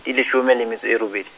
di leshome le metso e robedi.